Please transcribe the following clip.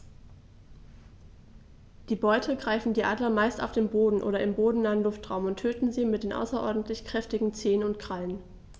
Die Beute greifen die Adler meist auf dem Boden oder im bodennahen Luftraum und töten sie mit den außerordentlich kräftigen Zehen und Krallen.